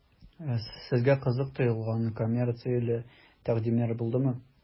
Сезгә кызык тоелган коммерцияле тәкъдимнәр булдымы?